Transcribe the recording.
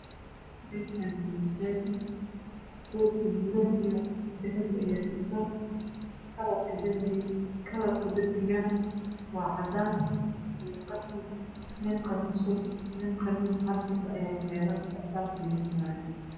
Meshaan waa masajid roog gaduudan iyi dahapi ayaa fidsan kalarka darpigana waa cadan iyo qaxwi nin qamiis cad wata ayaa tagan kitaap firinyo